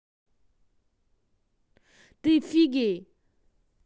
ты фигей